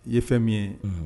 I ye fɛn min ye, unhun.